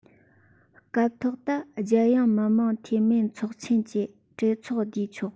སྐབས ཐོག ཏུ རྒྱལ ཡོངས མི དམངས འཐུས མིའི ཚོགས ཆེན གྱི གྲོས ཚོགས བསྡུས ཆོག